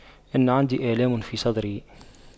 ان عندي آلام في صدري